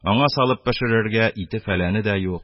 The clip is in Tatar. Аңа салып пешерергә ите-фәләне дә юк.